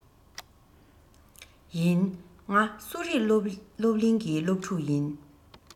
ཡིན ང གསོ རིག སློབ གླིང གི སློབ ཕྲུག ཡིན